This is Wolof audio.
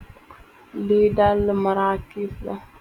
Lii dali maraakisla .